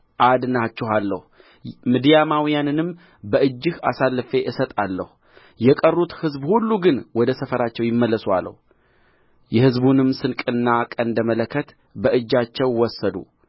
የሕዝቡንም ስንቅና ቀንደ መለከት በእጃቸው ወሰዱ የቀሩትንም የእስራኤል ሰዎች ሁሉ ወደ ድንኳናቸው ሰደዳቸው ሦስቱን መቶ ሰዎች ግን በእርሱ ዘንድ ጠበቃቸው የምድያምም ሰፈር ከእርሱ በታች በሸለቆው ውስጥ ነበረ